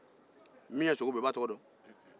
min ye sogo bon i b'a togɔ dɔn